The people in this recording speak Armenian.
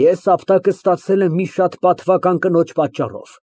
Ես ապտակը ստացել եմ մի շատ պատվարժան կնոջ պատճառով։